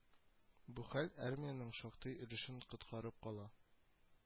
Бу хәл армиянең шактый өлешен коткарып кала